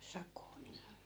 sakoa niin